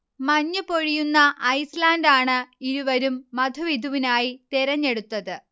മഞ്ഞ് പൊഴിയുന്ന ഐസ്ലാന്റാണ് ഇരുവരും മധുവിധുവിനായി തെരഞ്ഞൈടുത്തത്